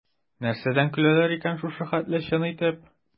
Нәрсәдән көләләр икән шушы хәтле чын итеп?